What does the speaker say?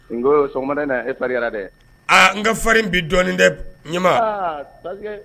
Nkoo sɔgɔmada in na e fariyara dɛ aaa n ka farin bi dɔɔni dɛ ɲɛma aaa parce que